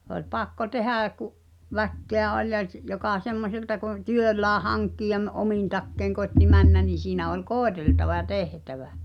se oli pakko tehdä kun väkeä oli ja - joka semmoiselta kun työllään hankkien omin takein koitti mennä niin siinä oli koeteltava ja tehtävä